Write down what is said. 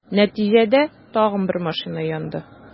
Нәтиҗәдә, тагын бер машина янды.